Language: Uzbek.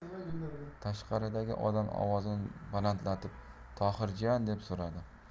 tashqaridagi odam ovozini balandlatib tohir jiyan deb so'radi